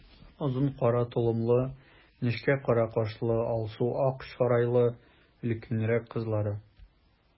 Озын кара толымлы, нечкә кара кашлы, алсу-ак чырайлы өлкәнрәк кызлары.